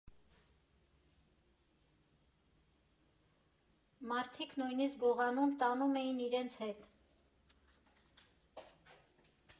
Մարդիկ նույնիսկ գողանում, տանում էին իրենց հետ։